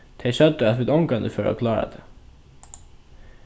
tey søgdu at vit ongantíð fóru at klára tað